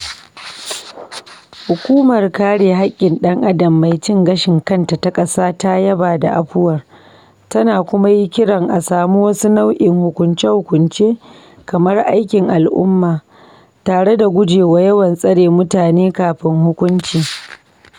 Hukumar Kare Hakkin Ɗan Adam Mai Cin Gashin Kanta ta Ƙasa ta yaba da afuwar, tana kuma yi kiran a samu wasu nau'in hukunce-hukunce, kamar aikin al'umma, tare da guje wa yawan tsare mutane kafin hukunci.